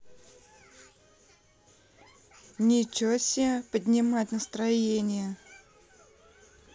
ниче себе поднимать настроение